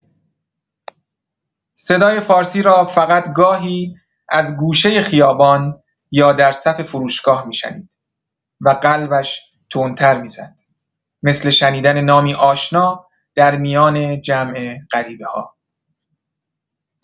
صدای فارسی را فقط گاهی از گوشۀ خیابان یا در صف فروشگاه می‌شنید و قلبش تندتر می‌زد، مثل شنیدن نامی آشنا در میان جمع غریبه‌ها.